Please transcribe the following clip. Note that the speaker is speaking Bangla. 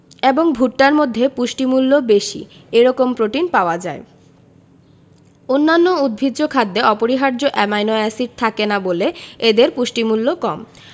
এবং ভুট্টার মধ্যে পুষ্টিমূল্য বেশি এরকম প্রোটিন পাওয়া যায় অন্যান্য উদ্ভিজ্জ খাদ্যে অপরিহার্য অ্যামাইনো এসিড থাকে না বলে এদের পুষ্টিমূল্য কম